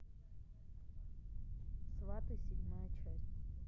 сваты седьмая часть